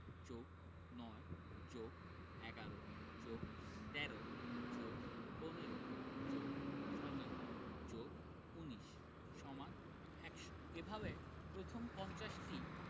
+৯+১১+১৩+১৫+১৭+১৯=১০০ এভাবে প্রথম পঞ্চাশটি